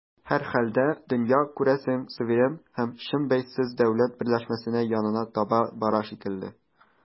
Һәрхәлдә, дөнья, күрәсең, суверен һәм чын бәйсез дәүләтләр берләшмәсенә янына таба бара шикелле.